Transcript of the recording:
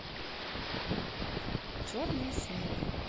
черный снег